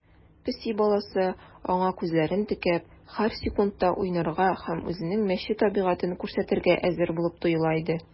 Песи баласы, аңа күзләрен текәп, һәр секундта уйнарга һәм үзенең мәче табигатен күрсәтергә әзер булып тоела иде.